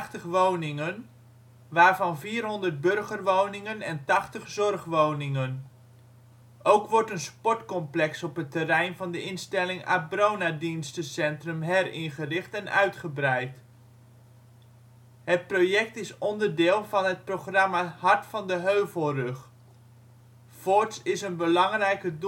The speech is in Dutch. burgerwoningen en 80 zorgwoningen. Ook wordt een sportcomplex op het terrein van de instelling Abrona Diensten-centrum heringericht en uitgebreid. Het project is onderdeel van het programma Hart van de Heuvelrug Voorts is een belangrijke